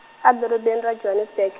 a dorobeni ra Johannesburg.